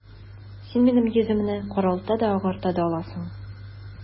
Син минем йөземне каралта да, агарта да аласың...